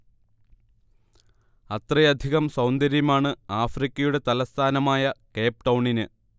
അത്രയധികം സൗന്ദര്യമാണ് ആഫ്രിക്കയുടെ തലസ്ഥാനമായ കേപ് ടൗണിന്